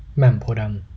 แหม่มโพธิ์ดำ